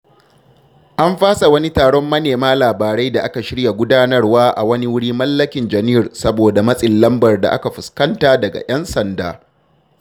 An fasa wani taron manema labarai da aka shirya gudanarwa a wani wuri mallakin Janeer saboda matsin lambar da ya fuskanta daga 'yan sanda.